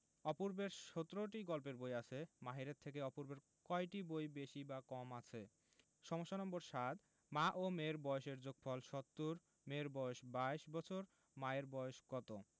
অপূর্বের ১৭টি গল্পের বই আছে মাহিরের থেকে অপূর্বের কয়টি বই বেশি বা কম আছে সমস্যা নম্বর ৭ মা ও মেয়ের বয়সের যোগফল ৭০ মেয়ের বয়স ২২ বছর মায়ের বয়স কত